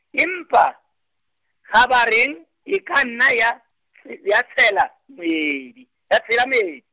empa, kgabareng, e ka nna ya tsh-, ya tshela moedi, ya tshela moedi.